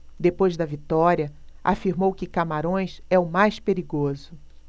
depois da vitória afirmou que camarões é o mais perigoso